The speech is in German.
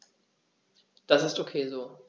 Das ist ok so.